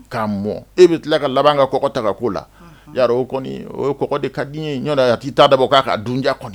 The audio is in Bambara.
K'a mɔ e be tila ka laban ka kɔkɔ ta ka k'o la unhun i y'a dɔn o kɔni o ye kɔkɔ de kadi n ye ɲɔndɛɛ a t'i i t'a dabɔ k'a ka dun diya kɔni